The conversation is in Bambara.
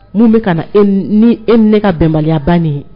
Mun bɛ ka na e n ne e ni ne ka bɛnbaliyaba nin ye